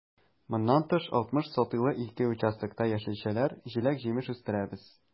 Моннан тыш, 60 сотыйлы ике участокта яшелчәләр, җиләк-җимеш үстерәбез.